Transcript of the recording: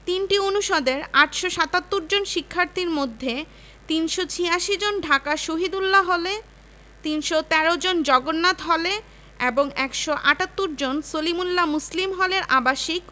জাতীয় ফুলঃ শাপলা জাতীয় ফলঃ কাঁঠাল জাতীয় পাখিঃ দোয়েল জাতীয় মাছঃ ইলিশ জাতীয় গাছঃ আম জাতীয় প্রাণীঃ